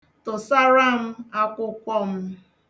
Tụsara m akwụkwọ m.